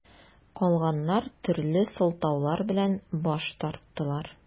Калганнар төрле сылтаулар белән баш тарттылар.